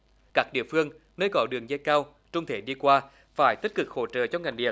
các địa phương nơi có đường dây cao trung thể đi qua phải tích cực hỗ trợ cho ngành điện